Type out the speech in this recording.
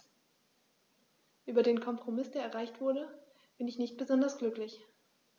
Über den Kompromiss, der erreicht wurde, bin ich nicht besonders glücklich.